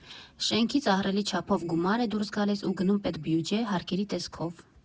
Շենքից ահռելի չափով գումար է դուրս գալիս ու գնում պետբյուջե՝ հարկերի տեսքով։